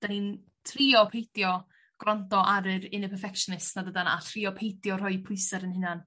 'dan ni'n trio peidio gwrando ar yr inner perfectionist nad ydan a trio peidio rhoi pwysa' ar 'yn hunan.